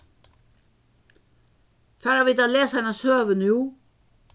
fara vit at lesa eina søgu nú